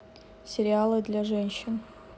сериалы для женщин